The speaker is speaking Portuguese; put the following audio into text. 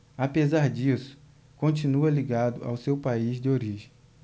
apesar disso continua ligado ao seu país de origem